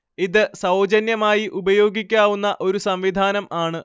ഇത് സൗജന്യമായി ഉപയോഗിക്കാവുന്ന ഒരു സംവിധാനം ആണ്